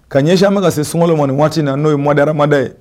Ka ɲɛsiya ma ka se sun sumaworo nin waati in na n'o ye madira ma dɛ ye